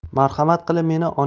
marhamat qilib meni